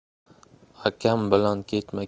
akam bilan ketma